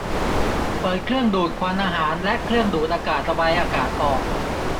เปิดเครื่องดูดควันอาหารและเครื่องดูดอากาศระบายอากาศออก